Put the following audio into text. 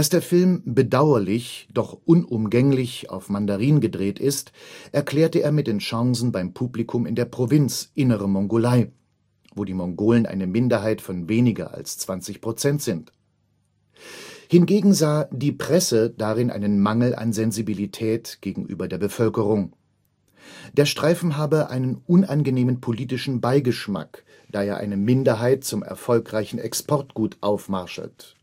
der Film „ bedauerlich, doch unumgänglich “auf Mandarin gedreht ist, erklärte er mit den Chancen beim Publikum in der Provinz Innere Mongolei, wo die Mongolen eine Minderheit von weniger als 20 Prozent sind. Hingegen sah Die Presse darin einen Mangel an Sensibilität gegenüber der Bevölkerung. Der Streifen habe „ einen unangenehmen politischen Beigeschmack, da er eine Minderheit zum erfolgreichen Exportgut aufmascherlt